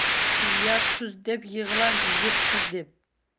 tuya tuz deb yig'lar yigit qiz deb